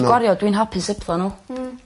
...gwario dwi'n hapus hebddo n'w. Hmm.